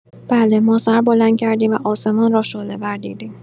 بله، ما سر بلند کردیم و آسمان را شعله‌ور دیدیم.